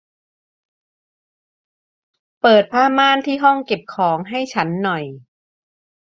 เปิดผ้าม่านที่ห้องเก็บของให้ฉันหน่อย